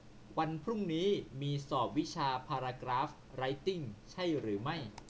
วันพรุ่งนี้มีสอบวิชาพารากราฟไรท์ติ้งใช่หรือไม่